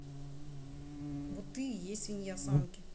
вот ты и есть свинья самки